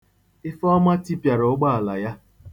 Ifeọma tipịara ụgbọala ya.